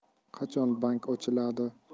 qachon bank ochiladi